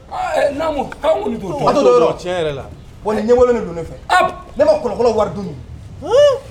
N'an to dɔ tiɲɛ yɛrɛ la wa ni ɲɛkolon min don ne fɛ ne ma kɔnɔkɔ wari tun